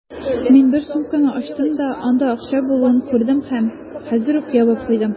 Мин бер сумканы ачтым да, анда акча булуын күрдем һәм хәзер үк ябып куйдым.